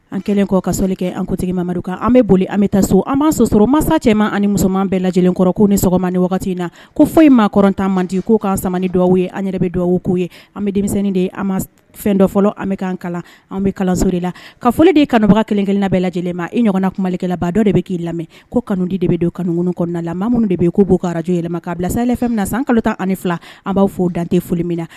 An kɛlen kɔ ka soli kɛ ankutigi mamadu kan an bɛ boli an bɛ taa so an b' sɔsɔrɔ masa cɛ ani musoman bɛɛ lajɛ lajɛlen kɔrɔ ko ni sɔgɔma ni wagati in na ko foyi maa kɔrɔɔrɔntan mandi ko k'ansamani dugaw ye an yɛrɛ bɛ dugawu' ye an bɛ denmisɛnnin de an ma fɛn dɔ fɔlɔ an bɛ kalan an bɛ kalanso de la ka foli de kanbaga kelenkelen bɛɛ lajɛ lajɛlen ma i ɲɔgɔnna ku malikɛla ba dɔ de bɛ k'i lamɛn ko kanudi de bɛ don kanuun kɔnɔna la ma minnu de bɛ yen ko'okarajo yɛlɛma k'a bila sa na san kalota ani fila an b'a'o dante foli minna na